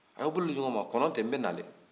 a' y'aw bolo di ɲɔgɔn ma kɔnɔtɛ n bɛ na dɛ